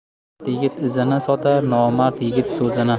mard yigit izini sotar nomard yigit o'zini